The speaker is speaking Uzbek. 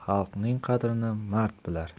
xalqning qadrini mard bilar